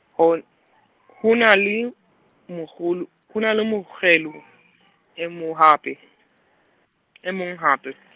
ho na le, moholo, ho na le mokgelo e mo hape, e mong hape.